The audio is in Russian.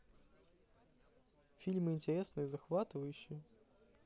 фильмы интересные захватывающие